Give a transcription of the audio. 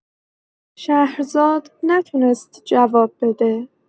شهرزاد نتونست جواب بده.